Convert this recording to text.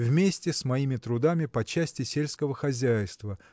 вместе с моими трудами по части сельского хозяйства